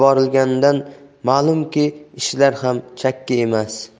uchun yuborilganidan malumki ishlari ham chakki emas